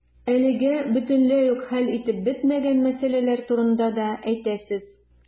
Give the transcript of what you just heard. Әлегә бөтенләй үк хәл ителеп бетмәгән мәсьәләләр турында да әйтәсез.